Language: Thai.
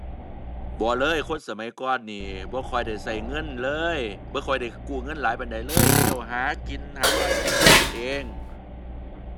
บ่เลย คนสมัยก่อนนี้บ่ค่อยได้ใช้เงินเลย บ่ค่อยได้กู้เงินหลายปานใดเลย เขาเจ้าหากิน หาอยู่หากินของเพิ่นเอง